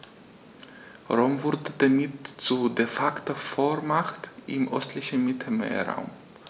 Rom wurde damit zur ‚De-Facto-Vormacht‘ im östlichen Mittelmeerraum.